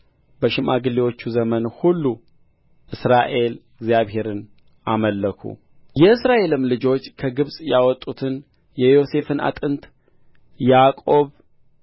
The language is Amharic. በሽማግሌዎች ዘመን ሁሉ እስራኤል እግዚአብሔርን አመለኩ የእስራኤልም ልጆች ከግብፅ ያወጡትን የዮሴፍን አጥንት ያዕቆብ